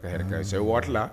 Ka se waati la